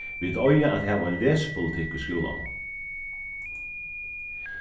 vit eiga at hava ein lesipolitikk í skúlanum